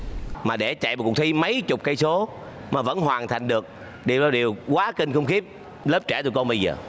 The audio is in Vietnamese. mà để chạy một cuộc thi mấy chục cây số mà vẫn hoàn thành được điều đó là điều quá kinh khủng khiếp lớp trẻ tụi con bây giờ